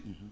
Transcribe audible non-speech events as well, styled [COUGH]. [HESITATION] [HESITATION]